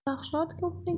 yaxshi ot ko'pniki